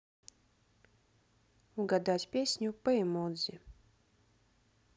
угадать песню по эмодзи